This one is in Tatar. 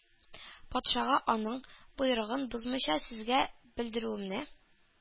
Патшага аның боерыгын бозмыйча сезгә белдерүемне